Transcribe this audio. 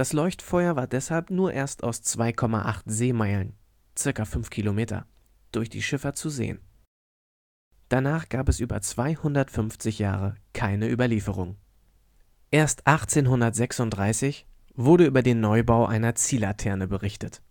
Leuchtfeuer war deshalb nur erst aus 2,8 Seemeilen (ca. 5 Kilometer) durch die Schiffer zu sehen. Danach gab es über 250 Jahre keine Überlieferungen. Erst 1836 wurde über den Neubau einer Ziehlaterne berichtet